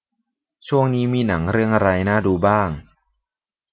ช่วงนี้มีหนังเรื่องอะไรน่าดูบ้าง